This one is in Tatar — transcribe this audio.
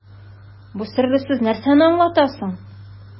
Бу серле сүз нәрсәне аңлата соң?